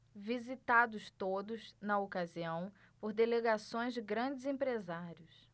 visitados todos na ocasião por delegações de grandes empresários